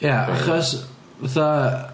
Ia achos fatha...